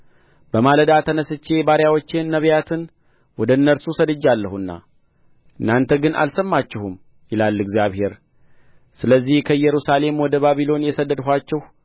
በማለዳ ተነሥቼ ባሪያዎቼን ነቢያትን ወደ እነርሱ ሰድጃለሁና እናንተ ግን አልሰማችሁም ይላል እግዚአብሔር ስለዚህ ከኢየሩሳሌም ወደ ባቢሎን የሰደድኋችሁ